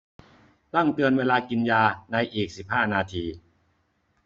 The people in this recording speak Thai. ตั้งเตือนเวลากินยาในอีกสิบห้านาที